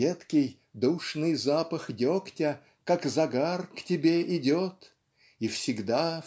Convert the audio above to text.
Едкий, душный запах дегтя, Как загар, к тебе идет. И всегда